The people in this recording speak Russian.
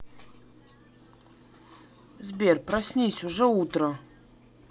сбер проснись уже утро